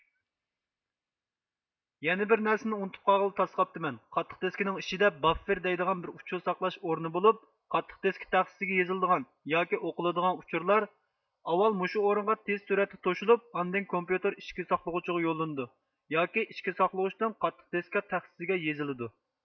يەنە بىر نەرسىنى ئۇنتۇپ قالغىلى تاس قاپتىمەن قاتتىق دېسكىنىڭ ئىچىدە باففېر دەيدىغان بىر ئۇچۇر ساقلاش ئورنى بولۇپ قاتتىق دېسكا تەخسىىسىگە يېزىلىدىغان ياكى ئوقۇلىدىغان ئۇچۇرلار ئاۋال مۇشۇ ئورۇنغا تېز سۈرئەتتە توشۇلۇپ ئاندىن كومپىيۇتېر ئىچكى ساقلىغۇچىغا يوللىنىدۇ ياكى ئىچىكى ساقلىغۇچىتىن قاتتىق دېسكا تەخسىسىگە يېزىلىدۇ